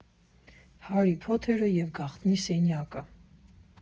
ՀԱՐԻ ՓՈԹԵՐԸ ԵՎ ԳԱՂՏՆԻ ՍԵՆՅԱԿԸ։